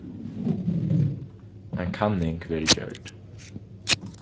ein kanning verður gjørd